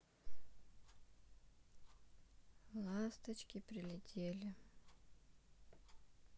ласточки прилетели